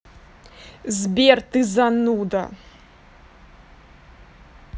сбер ты зануда